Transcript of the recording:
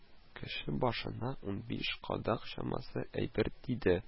Кеше башына унбишәр кадак чамасы әйбер тиде